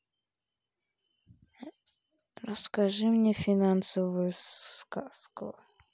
расскажи мне финансовую сказку